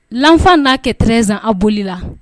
L'enfant na que treize ans a boli la.